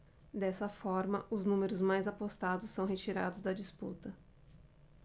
dessa forma os números mais apostados são retirados da disputa